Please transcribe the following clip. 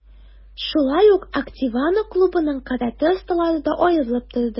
Шулай ук, "Окинава" клубының каратэ осталары да аерылып торды.